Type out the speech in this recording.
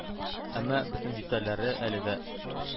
Әмма бөтен детальләре әле дә